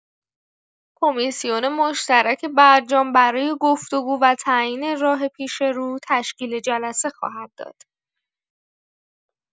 کمیسیون مشترک برجام برای گفت‌وگو و تعیین راه پیش‌رو تشکیل جلسه خواهد داد.